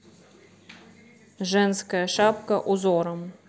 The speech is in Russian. женская шапка узором